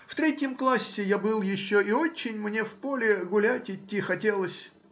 В третьем классе я был еще, и очень мне в поле гулять идти хотелось.